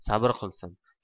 sabr qilsin